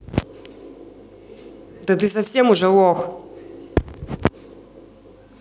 да ты совсем уже лох